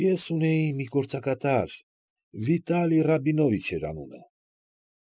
Ես ունեի մի գործակատար։ Վիտալի Ռաբինովիչ էր անունը։